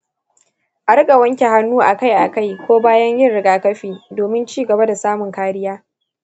a rika wanke hannu akai-akai, ko bayan yin rigakafi, domin ci gaba da samun kariya.